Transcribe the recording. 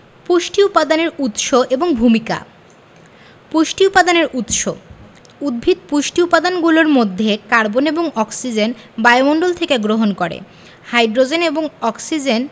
পুষ্টি উপাদানের উৎস এবং ভূমিকা পুষ্টি উপাদানের উৎস উদ্ভিদ পুষ্টি উপাদানগুলোর মধ্যে কার্বন এবং অক্সিজেন বায়ুমণ্ডল থেকে গ্রহণ করে হাই্ড্রোজেন এবং অক্সিজেন